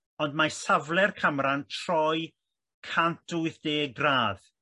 ond mae safle'r camra yn troi cant wyth deg gradd